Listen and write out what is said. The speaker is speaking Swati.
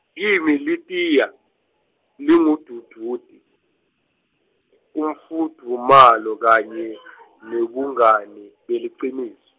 kimi litiya, lingumdvudvuti, imfudvumalo kanye nebungani, beliciniso.